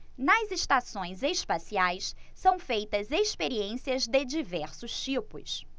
nas estações espaciais são feitas experiências de diversos tipos